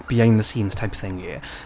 Behind the scenes type thingy.